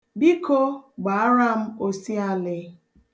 Biko, gbaara m osialị.